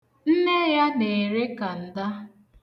Nne ya na-ere kanda.